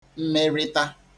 mmerịta